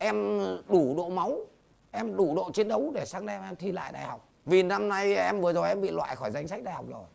em đủ độ máu em đủ độ chiến đấu để sáng nay em em thi lại đại học vì năm nay em vừa rồi em bị loại khỏi danh sách đại học rồi